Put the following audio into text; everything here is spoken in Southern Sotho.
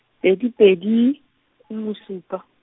pedi pedi, nngwe supa.